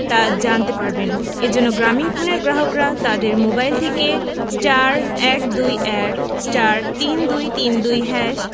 তা জানতে পারবেন এ জন্য গ্রামীণফোনের গ্রাহকরা তাদের মোবাইল থেকে *১২১*৩২৩২#